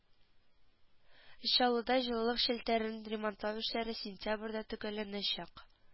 Чаллыда җылылык челтәрләрен ремонтлау эшләре сентябрьдә төгәлләнәчәк